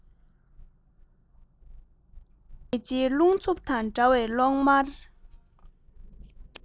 མེ ལྕེའི རླུང འཚུབ དང འདྲ བའི གློག དམར